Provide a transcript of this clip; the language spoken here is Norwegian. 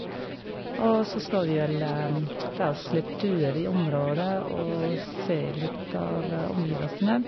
Og så skal vi vel ta oss litt turer i området og se litt av omgivelsene.